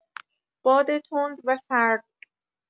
باد تند و سرد